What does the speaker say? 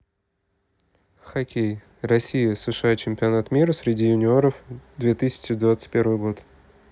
хоккей россия сша чемпионат мира среди юниоров две тысячи двадцать первый год